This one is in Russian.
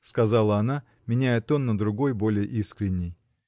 — сказала она, меняя тон на другой, более искренний.